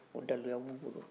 o daluya bɛ u bolo